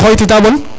mam o xoytita bon